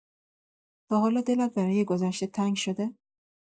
تا حالا دلت برای گذشته تنگ شده؟